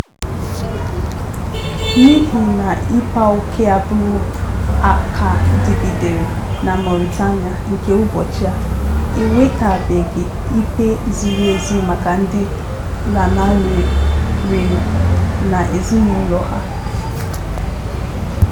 N'ihi na ịkpa oke agbụrụ a ka dịgidere na Mauritania nke ụbọchị a, e nwetabeghị ikpe ziri ezi maka ndị lanarịrịnụ na ezinụlọ ha.